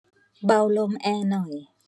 เบาลมแอร์หน่อย